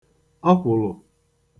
ọkwụ̀lụ̀